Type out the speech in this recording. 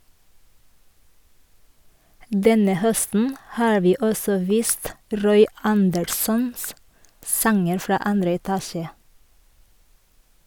Denne høsten har vi også vist Roy Anderssons "Sanger fra andre etasje".